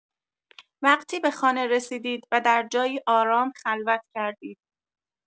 وقتی به خانه رسیدید و در جایی آرام خلوت کردید.